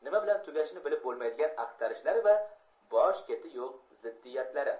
nima bilan tugashini bilib bo'lmaydigan axtarishlari va bosh keti yo'q ziddiyatlari